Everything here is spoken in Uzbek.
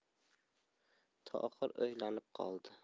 tohir o'ylanib qoldi